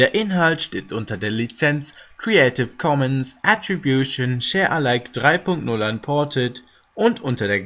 Inhalt steht unter der Lizenz Creative Commons Attribution Share Alike 3 Punkt 0 Unported und unter